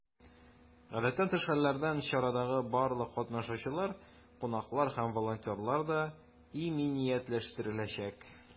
Гадәттән тыш хәлләрдән чарадагы барлык катнашучылар, кунаклар һәм волонтерлар да иминиятләштереләчәк.